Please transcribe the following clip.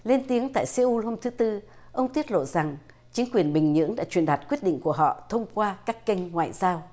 lên tiếng tại xê un hôm thứ tư ông tiết lộ rằng chính quyền bình nhưỡng đã truyền đạt quyết định của họ thông qua các kênh ngoại giao